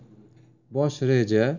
bosh reja